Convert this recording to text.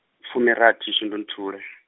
fumirathi shundunthule .